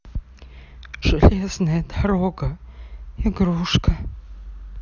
железная дорога игрушка